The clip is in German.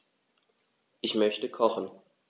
Ich möchte kochen.